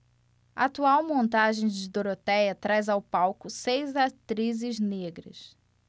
a atual montagem de dorotéia traz ao palco seis atrizes negras